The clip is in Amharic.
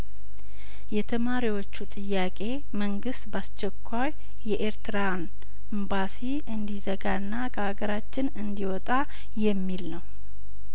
የተማሪዎቹ ጥያቄ መንግስት በአስቸኳይ የኤርትራን እምባ ሲእንዲ ዘጋና ከሀገራችን እንዲ ወጣ የሚል ነው